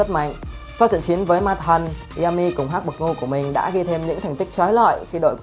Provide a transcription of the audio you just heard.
sau trận chiến với ma thần yami cùng hắc bộc ngưu của mình đã ghi thêm những thành tích chói lọi